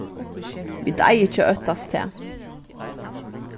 vit eiga ikki at óttast tað